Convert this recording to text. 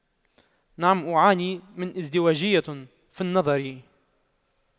نعم أعاني من ازدواجية في النظر